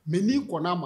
Mais ni kɔnna ma